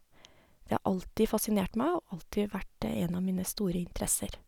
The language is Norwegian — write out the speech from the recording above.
Det har alltid fascinert meg og alltid vært en av mine store interesser.